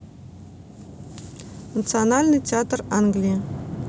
национальный театр англии